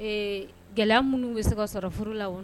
Ee gɛlɛya munnu bɛ se ka sɔrɔ furu la o